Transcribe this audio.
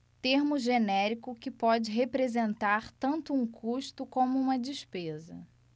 termo genérico que pode representar tanto um custo como uma despesa